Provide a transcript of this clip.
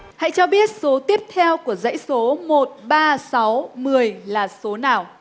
hãy cho biết số tiếp theo của dãy số một ba sáu mười là số nào